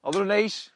Odden nw'n neis?